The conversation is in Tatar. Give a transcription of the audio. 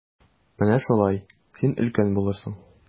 Менә шулай, син өлкән булырсың.